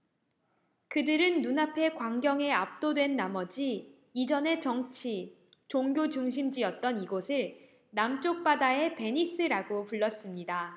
그들은 눈앞의 광경에 압도된 나머지 이전에 정치 종교 중심지였던 이곳을 남쪽 바다의 베니스라고 불렀습니다